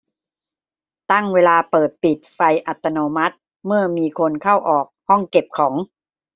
ตั้งเวลาเปิดปิดไฟอัตโนมัติเมื่อมีคนเข้าออกห้องเก็บของ